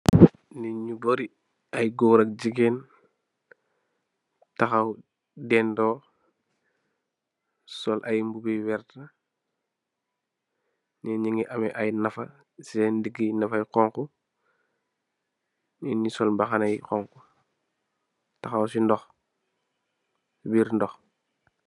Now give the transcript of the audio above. niñu bari ayi goor ak jigeen tahaw deno sol ayi bubu yu wert nigi ammi ayi nafa sene deg nafa yi xongo neen sol maxhana yu xongo tahaw ci nokh.